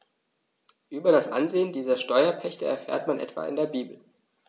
Über das Ansehen dieser Steuerpächter erfährt man etwa in der Bibel.